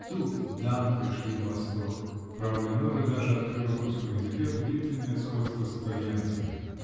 Тут дамы пришли в восторг -- фрау Леноре даже открыла в русском языке удивительное сходство с итальянским.